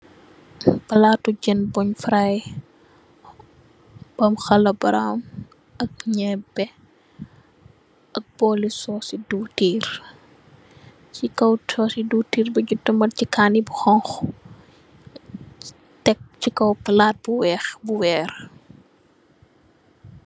Platu jeun bungh fry bahm hala brown ak njeehbeh, ak borli sauce cii diwtirr, chi kaw sauce cii diwtirr bi buchi tombal chi kaani bu honhu, tek chi kaw plat bu wekh bu wehrre.